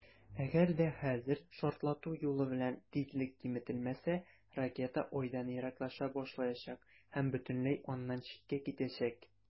Әгәр дә хәзер шартлату юлы белән тизлек киметелмәсә, ракета Айдан ераклаша башлаячак һәм бөтенләй аннан читкә китәчәк.